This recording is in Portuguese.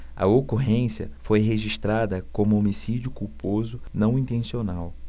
a ocorrência foi registrada como homicídio culposo não intencional